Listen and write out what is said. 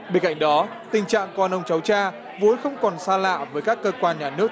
bên cạnh đó tình trạng con ông cháu cha vốn không còn xa lạ với các cơ quan nhà nước